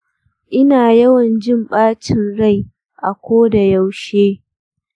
ina yawan jin bacin rai a koda yaushe